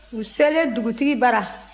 u selen dugutigi bara